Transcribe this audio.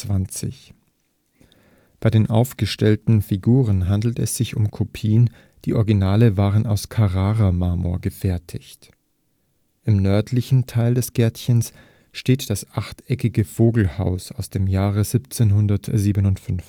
1820). Bei den aufgestellten Figuren handelt es sich um Kopien, die Originale waren aus Carrara-Marmor gefertigt. Im nördlichen Teil des Gärtchens steht das achteckige Vogelhaus aus dem Jahr 1757